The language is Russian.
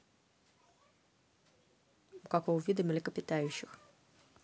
у какого вида млекопитающих